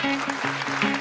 bây